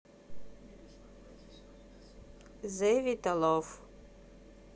the виталов